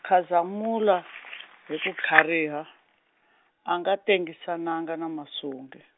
Khazamula, hi ku tlhariha, a nga tengisanangi na Masungi.